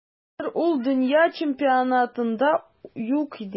Хәзер ул дөнья чемпионатында юк иде.